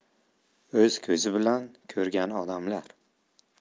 o'z ko'zi bilan ko'rgan odamlar